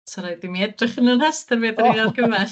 Sa raid i mi edrych yn 'yn rhestyr fi ar be' ni'n argymell.